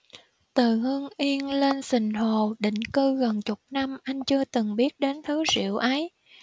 từ hưng yên lên sìn hồ định cư gần chục năm anh chưa từng biết đến thứ rượu ấy